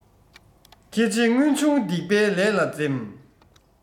ཁེ ཆེ མངོན ཆུང སྡིག པའི ལས ལ འཛེམ